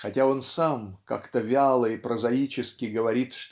Хотя он сам (как-то вяло и прозаически) говорит